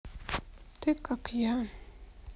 ты как я